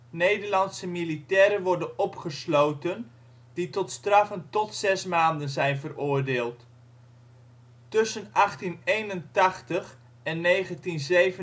Nederlandse militairen worden opgesloten die tot straffen tot 6 maanden zijn veroordeeld. Tussen 1881 en 1937